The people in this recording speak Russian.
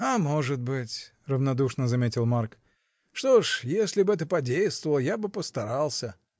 — А может быть, — равнодушно заметил Марк, — что ж, если б это подействовало, я бы постарался.